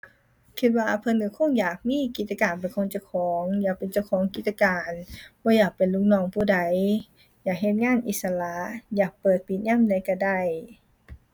คิดว่าเพิ่นก็คงอยากมีกิจการเป็นของเจ้าของ อยากเป็นเจ้าของกิจการ บ่อยากเป็นลูกน้องผู้ใด อยากเฮ็ดงานอิสระ อยากเปิดปิดยามใดก็ได้